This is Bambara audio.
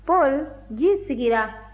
paul ji sigira